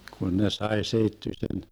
kun ne sai seittyisen